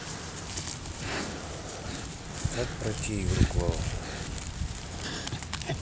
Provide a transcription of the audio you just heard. как пройти игру клоун